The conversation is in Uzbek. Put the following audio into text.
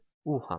u ham